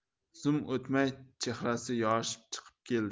zum o'tmay chehrasi yorishib chiqib keldi